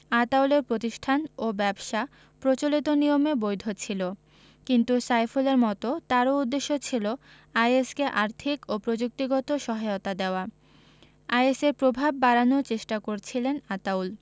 আতাউলের প্রতিষ্ঠান ও ব্যবসা প্রচলিত নিয়মে বৈধ ছিল কিন্তু সাইফুলের মতো তারও উদ্দেশ্য ছিল আইএস কে আর্থিক ও প্রযুক্তিগত সহায়তা দেওয়া আইএসের প্রভাব বাড়ানোর চেষ্টা করছিলেন আতাউল